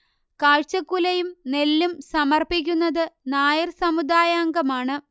കാഴ്ചക്കുലയും നെല്ലും സമർപ്പിക്കുന്നത് നായർ സമുദായാംഗമാണ്